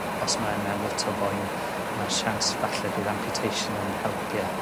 os mae e mewn lot o boen mae'r siawns falle bydd amputation yn helpu e.